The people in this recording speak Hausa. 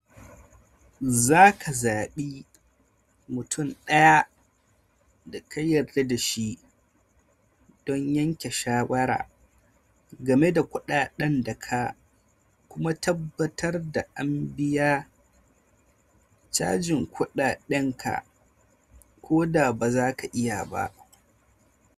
Zaka zabi mutum daya da ka yarda da shi don yanke shawara game da kudaden ka da kuma tabbatar da an biya cajin kudade koda bazaka iya biya ba.